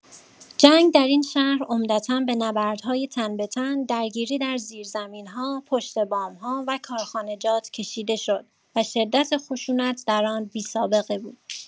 جنگ در این شهر عمدتا به نبردهای تن‌به‌تن، درگیری در زیرزمین‌ها، پشت بام‌ها و کارخانجات کشیده شد و شدت خشونت در آن بی‌سابقه بود.